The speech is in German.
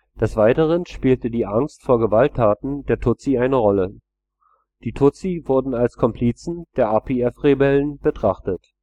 Des Weiteren spielte die Angst vor Gewalttaten der Tutsi eine Rolle. Die Tutsi wurden als Komplizen der RPF-Rebellen betrachtet